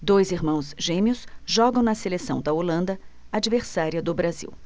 dois irmãos gêmeos jogam na seleção da holanda adversária do brasil